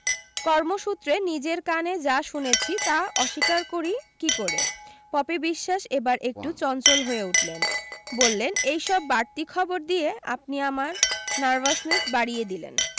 কর্মসূত্রে নিজের কানে যা শুনেছি তা অস্বীকার করি কী করে পপি বিশ্বাস এবার একটু চঞ্চল হয়ে উঠলেন বললেন এই সব বাড়তি খবর দিয়ে আপনি আমার নার্ভাসনেস বাড়িয়ে দিলেন